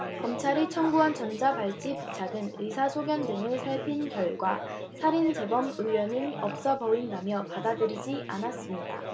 검찰이 청구한 전자발찌 부착은 의사 소견 등을 살핀 결과 살인 재범 우려는 없어 보인다며 받아들이지 않았다